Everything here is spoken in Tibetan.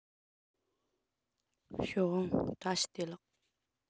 ཞའོ ཝང བཀྲ ཤིས བདེ ལེགས